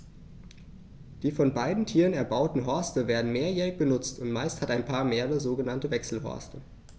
Die von beiden Tieren erbauten Horste werden mehrjährig benutzt, und meist hat ein Paar mehrere sogenannte Wechselhorste.